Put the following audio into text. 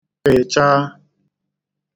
pị̀cha